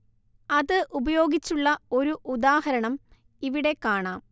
അത് ഉപയോഗിച്ചുള്ള ഒരു ഉദാഹരണം ഇവിടെ കാണാം